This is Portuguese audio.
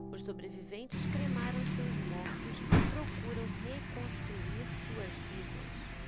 os sobreviventes cremaram seus mortos e procuram reconstruir suas vidas